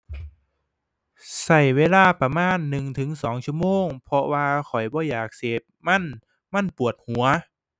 ใช้เวลาประมาณหนึ่งถึงสองชั่วโมง เพราะว่าข้อยบ่อยากเสพมัน มันปวดหัว